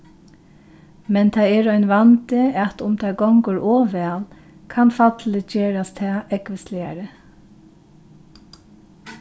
men tað er ein vandi at um tað gongur ov væl kann fallið gerast tað ógvusligari